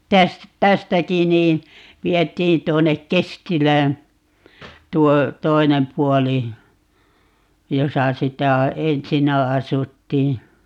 - tästäkin niin vietiin tuonne Kestilään tuo toinen puoli jossa sitä ensinnä asuttiin